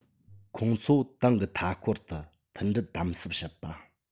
ཁོང ཚོ ཏང གི མཐའ འཁོར དུ མཐུན སྒྲིལ དམ ཟབ བྱེད པ